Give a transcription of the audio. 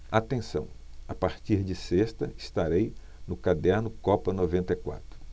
atenção a partir de sexta estarei no caderno copa noventa e quatro